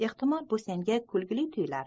ehtimol bu senga kulgili tuyular